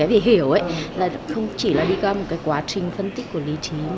cái việc hiểu ý là không chỉ là đi qua cái quá trình phân tích của lý trí